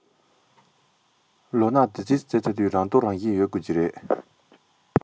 ལོ ན དེ ཙམ ལ སླེབས དུས རང རྟོགས རང བཞིན ཡོད དགོས ཀྱི རེད